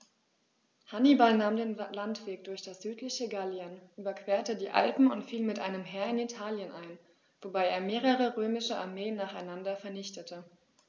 Hannibal nahm den Landweg durch das südliche Gallien, überquerte die Alpen und fiel mit einem Heer in Italien ein, wobei er mehrere römische Armeen nacheinander vernichtete.